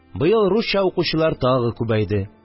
Быел русча укучылар тагы күбәйде